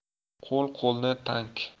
qo'l qo'lni tank